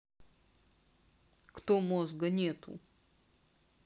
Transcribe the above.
кто мозга нету